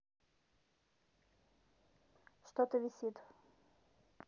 что то висит